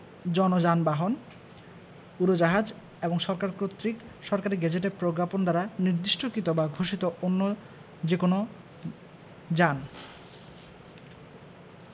জন যানবাহন উড়োজাহাজ এবং সরকার কর্তৃক সরকারী গেজেটে প্রজ্ঞাপন দ্বারা নির্দিষ্টকৃত বা ঘোষিত অন্য যে কোন যান